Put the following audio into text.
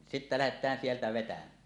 sitten lähdetään sieltä vetämään